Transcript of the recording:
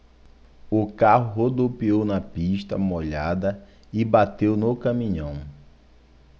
o carro rodopiou na pista molhada e bateu no caminhão